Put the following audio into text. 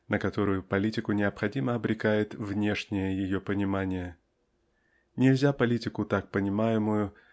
на которую политику необходимо обрекает "внешнее" ее понимание. Нельзя политику так понимаемую